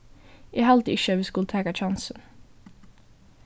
eg haldi ikki at vit skulu taka kjansin